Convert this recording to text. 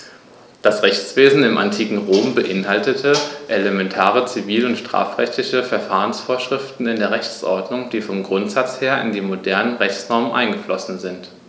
Das Rechtswesen im antiken Rom beinhaltete elementare zivil- und strafrechtliche Verfahrensvorschriften in der Rechtsordnung, die vom Grundsatz her in die modernen Rechtsnormen eingeflossen sind.